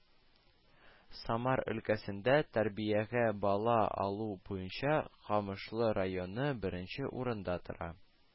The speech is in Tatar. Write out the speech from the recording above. - самар өлкәсендә тәрбиягә бала алу буенча камышлы районы беренче урында тора